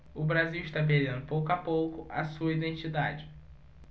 o brasil está perdendo pouco a pouco a sua identidade